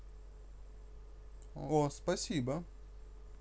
о спасибо